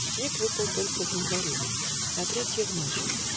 Снег выпал только в январе На третье в ночь.